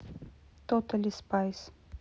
тотали спайс